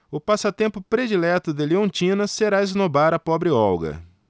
o passatempo predileto de leontina será esnobar a pobre olga